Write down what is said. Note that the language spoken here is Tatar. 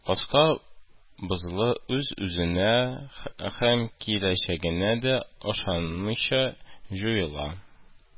Каска бозыла, үз-үзенә һәм киләчәгенә дә ышанмыйча җуела